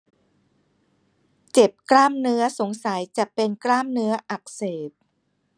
เจ็บกล้ามเนื้อสงสัยจะเป็นกล้ามเนื้ออักเสบ